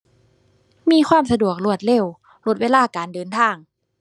มีความสะดวกรวดเร็ว ลดเวลาการเดินทาง